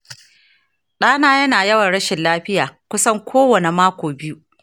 ɗana yana yawan rashin lafiya kusan kowane mako biyu.